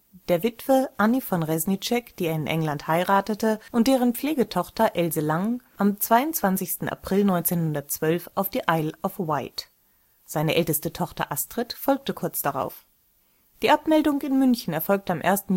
der Witwe Anny von Reznicek, die er in England heiratete, und deren Pflegetochter Else Lang (1902 – 1988) am 22. April 1912 auf die Isle of Wight. Seine älteste Tochter Astrid folgte kurz darauf. Die Abmeldung in München erfolgte am 1. Juli 1912